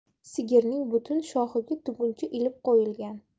sigirining butun shoxiga tuguncha ilib qo'yilgan